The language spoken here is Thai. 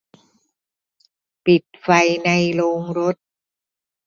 ปิดไฟในโรงรถ